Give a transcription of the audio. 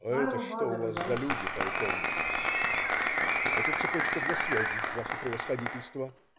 "А это что у вас за люди, полковник?" - "Это цепочка для связи. Ваше Превосходительство".